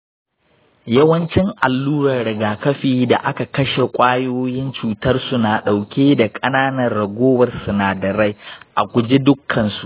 yawancin alluran rigakafi da aka kashe ƙwayoyin cutarsu na ɗauke da ƙananan ragowar sinadarai. a guji dukkansu.